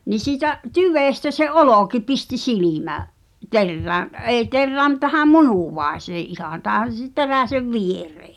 niin siitä tyvestä se olki pisti - silmäterään ei terään - tähän munuaiseen ihan tähän - teräsen viereen